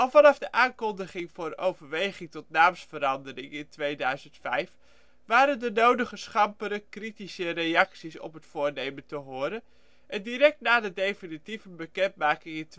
vanaf de aankondiging voor overweging tot naamsverandering in 2005 waren de nodige schampere, kritische reacties op het voornemen te horen en direct na de definitieve bekendmaking